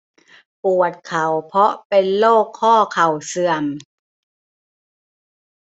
ปวดเข่าเพราะเป็นโรคข้อเข่าเสื่อม